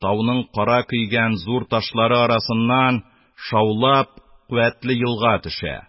Тауның кара көйгән зур ташлары арасыннан шаулап куәтле елга төшә